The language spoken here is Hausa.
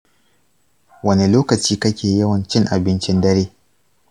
wane lokaci kake yawan cin abincin dare?